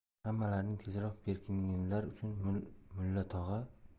hammalaring tezroq berkininglar nechun mulla tog'a